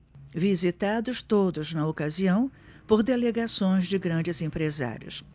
visitados todos na ocasião por delegações de grandes empresários